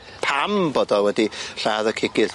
Pam bod o wedi lladd y cigydd?